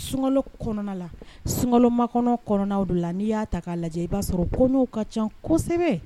Sunkalo kɔnɔna la sunkalomakɔnɔ kɔnɔnaw de la n'i y'a taa lajɛ i b'a sɔrɔ kɔɲɔw ka ca kosɛbɛ